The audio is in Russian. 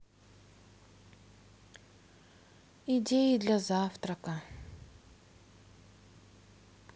идеи для завтрака